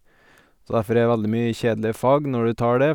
Så derfor er det veldig mye kjedelige fag når du tar det.